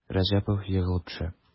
Рәҗәпов егылып төшә.